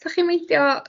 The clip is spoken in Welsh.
'sach chi'n meindio